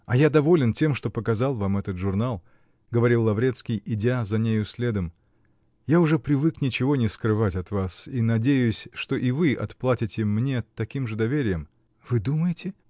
-- А я доволен тем, что показал вам этот журнал, -- говорил Лаврецкий, идя за нею следом, -- я уже привык ничего не скрывать от вас и надеюсь, что и вы отплатите мне таким же доверием. -- Вы думаете?